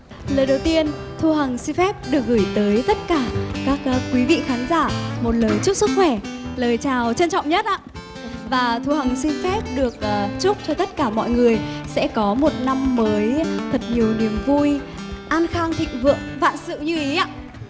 lời đầu tiên thu hằng xin phép được gửi tới tất cả các quý vị khán giả một lời chúc sức khỏe lời chào trân trọng nhất ạ và thường xin phép được chúc cho tất cả mọi người sẽ có một năm mới thật nhiều niềm vui an khang thịnh vượng vạn sự như ý ạ